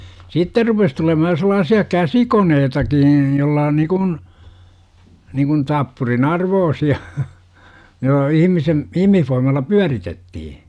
sitten rupesi tulemaan jo sellaisia käsikoneitakin - jolla - niin kuin niin kuin tappurin arvoisia - ihmisen ihmisvoimalla pyöritettiin